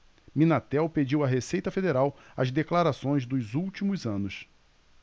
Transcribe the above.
minatel pediu à receita federal as declarações dos últimos anos